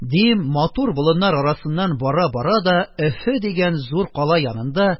Дим матур болыннар арасыннан бара, бара да Өфе дигән зур кала янында,